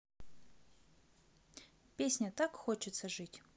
песня так хочется жить